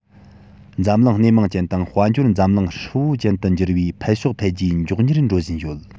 འཛམ གླིང སྣེ མང ཅན དང དཔལ འབྱོར འཛམ གླིང ཧྲིལ པོ ཅན དུ འགྱུར བའི འཕེལ ཕྱོགས འཕེལ རྒྱས མགྱོགས མྱུར འགྲོ བཞིན ཡོད